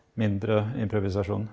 mindre improvisasjon.